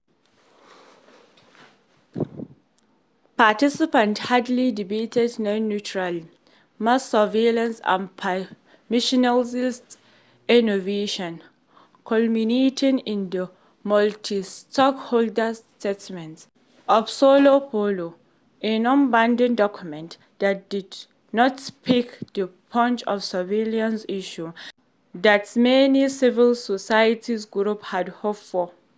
Participants hotly debated net neutrality, mass surveillance and “permissionless” innovation, culminating in the Multistakeholder Statement of Sao Paulo, a non-binding document that did not pack the punch on surveillance issues that many civil society groups had hoped for.